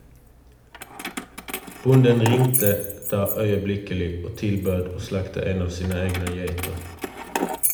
Bonden ringte da øyeblikkelig og tilbød å slakte en av sine egne geiter.